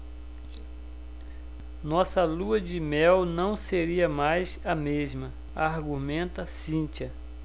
nossa lua-de-mel não seria mais a mesma argumenta cíntia